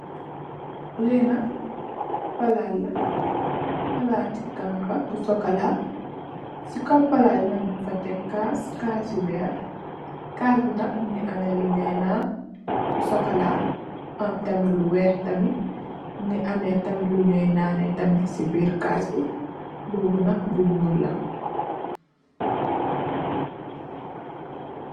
Lii nak plaat la, plaati khanka bu chocolat, cii kaw plaat bii nak njung fa tek kaass, kaassi wehrre, kaass bii nak mungy ameh lu njoi nan lu chocolat, am tamit lu wekh tamit, mungy ameh tamit lu njoi naaneh cii birr kaass bii, bobu nak lu njull la.